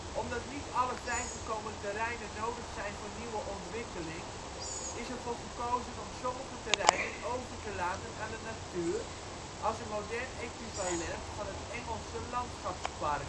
Omdat niet alle vrijgekomen terreinen nodig zijn voor nieuwe ontwikkeling, is ervoor gekozen om sommige terreinen over te laten aan de natuur, als een modern equivalent van het “Engelse landschapspark”